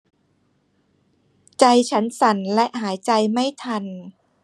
ใจฉันสั่นและหายใจไม่ทัน